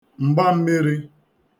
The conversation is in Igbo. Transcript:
mgbammīrī